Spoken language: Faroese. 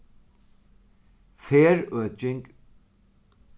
ferðøking